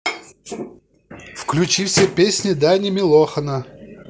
включи все песни дани милохина